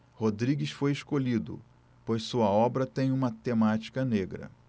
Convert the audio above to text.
rodrigues foi escolhido pois sua obra tem uma temática negra